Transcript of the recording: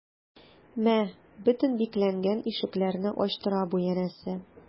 Мә, бөтен бикләнгән ишекләрне ачтыра бу, янәсе...